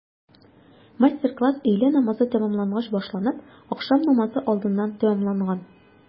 Мастер-класс өйлә намазы тәмамлангач башланып, ахшам намазы алдыннан тәмамланган.